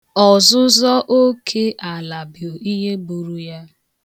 Ọzụzọ oke ala bụ ihe gburu ya.